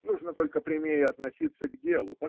Нужно только прямее относиться к делу